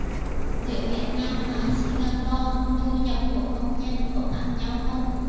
giữa việt nam và singapore thu nhập của công nhân có khác nhau không